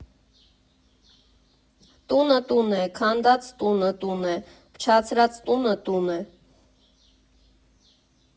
Տունը՝ տուն է, քանդած տունը՝ տուն է, փչացրած տունը՝ տուն է։